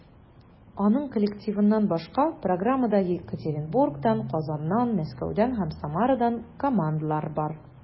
Аның коллективыннан башка, программада Екатеринбургтан, Казаннан, Мәскәүдән һәм Самарадан командалар бар.